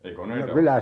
ei koneita ollut